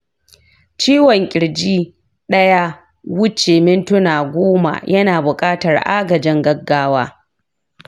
ciwon kirji daya wuce mintuna goma yana buƙatar agajin gaggawa.